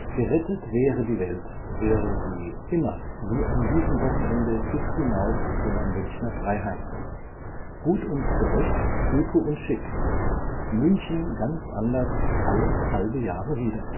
Gerettet wäre die Welt, wäre sie immer wie an diesem Wochenende bis hinauf zur Münchner Freiheit. Gut und gerecht, öko und schick […]. München ganz anders, alle halbe Jahre wieder